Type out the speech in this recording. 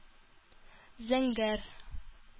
Зәңгәр